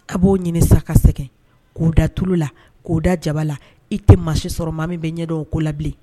A b'o ɲini sa ka sɛgɛn k'o da tulu la k'o da jaba la i tɛ maa si sɔrɔ mɔgɔ min bɛ ɲɛn don o ko la bilen.